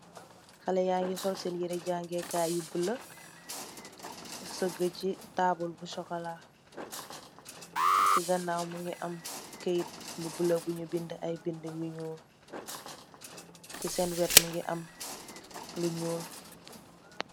halyangi sol sene yare jangekaye you bula sague ci tabul bu socola ci ganawe mogiam kayito bu bula bu njougi binda ay binda yu njole